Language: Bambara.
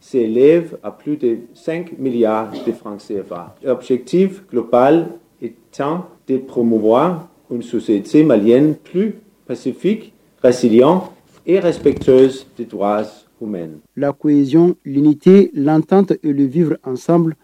Sen a ppite san miiriya fan senfa ppisiti ku tanmo soso se mali pasifin ka siri e'sip to tɛ ko mɛn lakosiz linite tan tɛ lufiur an san